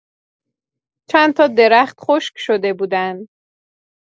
چند تا درخت خشک شده بودن.